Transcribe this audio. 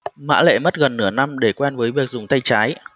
mã lệ mất gần nửa năm để quen với việc dùng tay trái